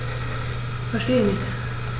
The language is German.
Verstehe nicht.